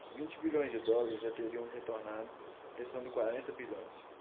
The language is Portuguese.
vinte bilhões de dólares já teriam retornado restando quarenta bilhões